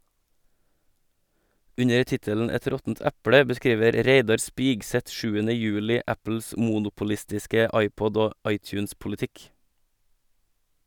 Under tittelen «Et råttent eple» beskriver Reidar Spigseth 7. juli Apples monopolistiske iPod- og iTunes-politikk.